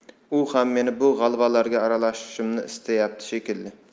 u ham meni bu g'alvalarga aralashishimni istayapti shekilli